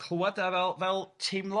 clywad yy fel fel teimlo...